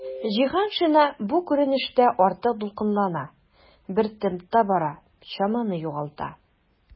Җиһаншина бу күренештә артык дулкынлана, бер темпта бара, чаманы югалта.